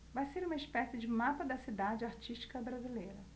vai ser uma espécie de mapa da cidade artística brasileira